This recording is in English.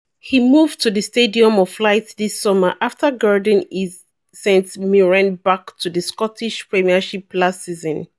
He moved to the Stadium of Light this summer after guiding St Mirren back to the Scottish Premiership last season.